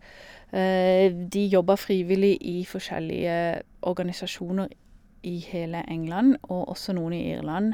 v De jobba frivillig i forskjellige organisasjoner i hele England, og også noen i Irland.